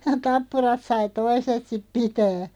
tappurat sai toiset sitten pitää